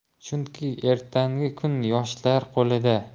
chunki ertangi kun yoshlar qo'lida